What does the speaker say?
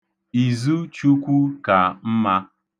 Izu Chukwu ka mma.